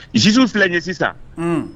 juge filɛ nin ye sisan. Un.